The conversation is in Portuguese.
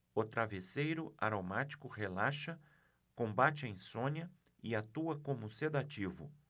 o travesseiro aromático relaxa combate a insônia e atua como sedativo